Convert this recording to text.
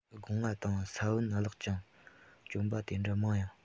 སྒོ ང དང ས བོན བརླག ཅིང བཅོམ པ དེ འདྲ མང ཡང